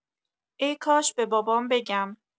ای‌کاش به بابام بگم.